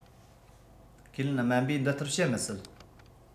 ཁས ལེན སྨན པས འདི ལྟར བཤད མི སྲིད